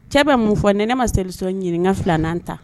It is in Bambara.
Cɛ bɛ mun fɔ ni ne ma solution ɲini n ka filanan ta